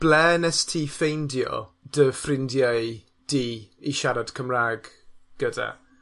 ble nest ti ffeindio dy ffrindiau di i siarad Cymrag gyda?